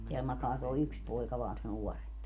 täällä makaa tuo yksi poika vain se nuorempi